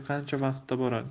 qancha vaqtda boradi